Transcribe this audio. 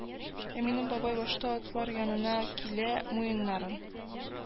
Ә минем бабай башта атлар янына килә, муеннарын